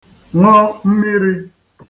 ṅụ mmirī